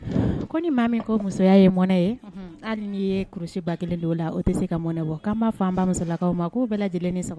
Ko ni maa min musoya ye mɔnɛ ye ,hali ni ye kurusi 1000 don o la . O te se ka mɔnɛ bɔ. Kan ba fɔ an ba musolakaw ma ku bɛɛ lajɛlen ni sɔ